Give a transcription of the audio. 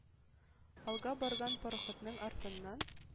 Алга барган пароходның артыннан